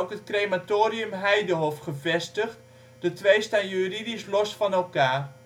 het Crematorium Heidehof gevestigd; de twee staan juridisch los van elkaar